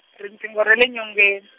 riqingho ra le nyongen- .